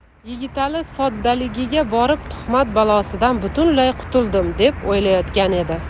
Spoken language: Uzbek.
yigitali soddaligiga borib tuhmat balosidan butunlay qutuldim deb o'ylayotgan edi